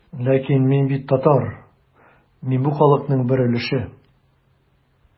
Ләкин мин бит татар, мин бу халыкның бер өлеше.